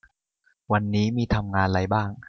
วันนี้มีทำงานไรบ้าง